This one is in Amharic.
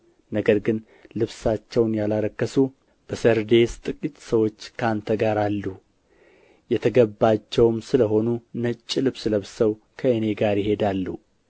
ነገር ግን ልብሳቸውን ያላረከሱ በሰርዴስ ጥቂት ሰዎች ከአንተ ጋር አሉ የተገባቸውም ስለ ሆኑ ነጭ ልብስ ለብሰው ከእኔ ጋር ይሄዳሉ